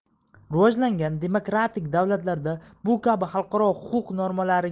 rivojlangan demokratik davlatlarda bu kabi xalqaro